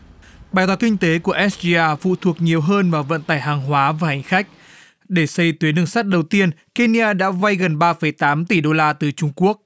bài toán kinh tế của ét gi a phụ thuộc nhiều hơn vào vận tải hàng hóa và hành khách để xây tuyến đường sắt đầu tiên ke ni a đã vay gần ba phẩy tám tỷ đô la từ trung quốc